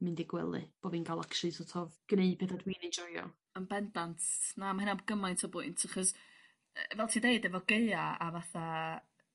mynd i gwely bo' fi'n ca'l actually so't of gneud petha dwi'n enjoio. Yn bendant na hynna'n gymaint o bwynt achos yy fel ti deud efo gaea a fatha